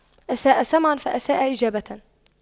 أساء سمعاً فأساء إجابة